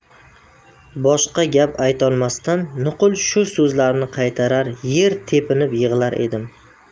boshqa gap aytolmasdan nuqul shu so'zlarni qaytarar yer tepinib yig'lar edim